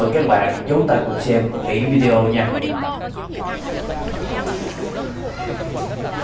cùng xem kỹ video nhé